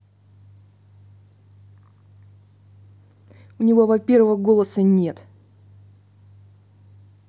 у него во первого голоса нету